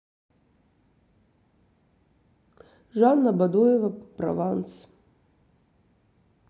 жанна бадоева прованс